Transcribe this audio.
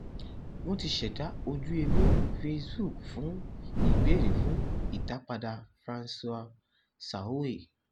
Wọ́n ti ṣẹ̀dá ojúewé Facebook fún ìbéèrè fún ìdápadà François Zahoui.